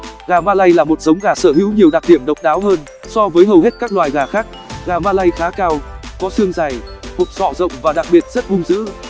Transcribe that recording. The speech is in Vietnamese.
gà malay là một giống gà sở hữu nhiều đặc điểm độc đáo hơn so với hầu hết các loài gà khác gà malay khá cao có xương dày hộp sọ rộng và đặc biệt rất hung dữ